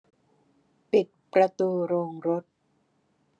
ปิดประตูโรงรถ